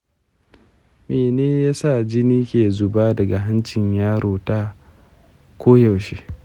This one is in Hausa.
mene yasa jini ke zuba daga hancinta ƴarinta koyaushe?